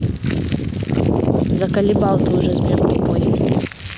заколебал ты уже сбер тупой